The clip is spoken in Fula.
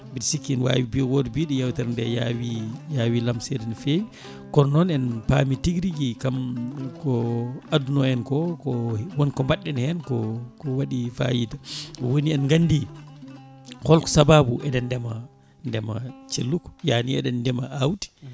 mbiɗa sikki ne wawi mbiɗo wooda mbiɗo yewtere nde yaawi yaawi lamsede no fewi kono noon en paami tigui rigui kam ko adduno en ko ko wonko mbaɗen hen ko ko waɗi fayida woni en gandi hol sababu eɗen ndeema ndeema celluka yaanio eɗen ndeema awdi